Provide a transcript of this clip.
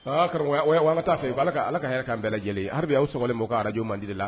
Wa taaa fɛ u b'a ala ka hɛrɛ ka an bɛɛ lajɛlen yaw sɔrɔlen bɔ' araj mandi la